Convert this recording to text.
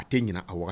A te ɲina a waga